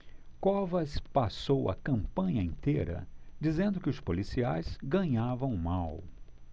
covas passou a campanha inteira dizendo que os policiais ganhavam mal